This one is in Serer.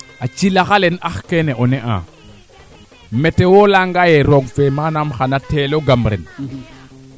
refe xaa leyeena ye ko an an lu waa refo xaa leyeena ye ko ga'ati noox keene ten yaqu jamano fee Djiby